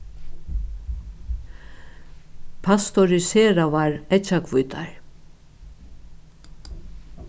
pasteuriseraðar eggjahvítar